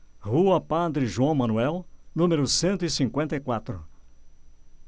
rua padre joão manuel número cento e cinquenta e quatro